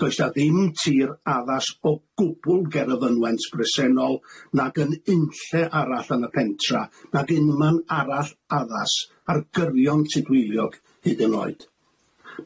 Does 'na ddim tir addas o gwbwl ger y fynwent bresennol nag yn unlle arall yn y pentra nag unman arall addas ar gyrion Tudweiliog hyd yn oed.